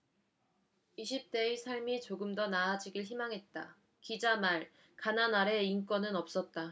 이십 대의 삶이 조금 더 나아지길 희망했다 기자 말가난 아래 인권은 없었다